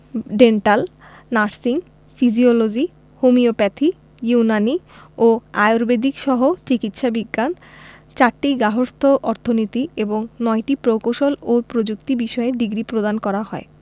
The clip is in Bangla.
dental nursing physiology homoeopathy Unani ও আর্য়ুবেদিকসহ চিকিৎসা বিজ্ঞান ৪টি গার্হস্থ্য অর্থনীতি এবং ৯টি প্রকৌশল ও প্রযুক্তি বিষয়ে ডিগ্রি প্রদান করা হয়